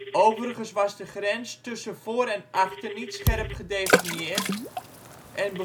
Overigens was de grens tussen voor en achter niet scherp gedefinieerd en